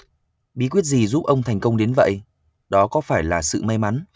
bí quyết gì giúp ông thành công đến vậy đó có phải là sự may mắn